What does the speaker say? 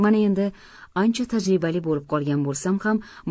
mana endi ancha tajribali bo'lib qolgan bo'lsam ham